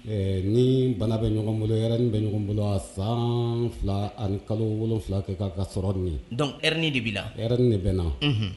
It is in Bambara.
Ni bana bɛ ɲɔgɔn bolo ni bɛ ɲɔgɔn bolo a san fila ani kalo wolonfila kɛ k'a ka sɔrɔ ye dɔnkuin de b' la hɛrɛ de bɛ na